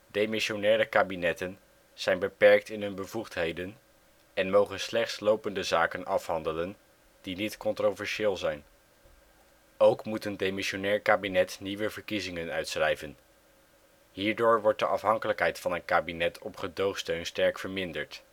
Demissionaire kabinetten zijn beperkt in hun bevoegdheden en mogen slechts lopende zaken afhandelen die niet controversieel zijn. Ook moet een demissionair kabinet nieuwe verkiezingen uitschrijven. Hierdoor wordt de afhankelijkheid van een kabinet op gedoogsteun sterk verminderd